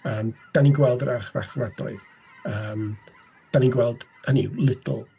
Yym dan ni'n gweld yr archfarchnadoedd, yym dan ni'n gweld, hynny yw Lidl.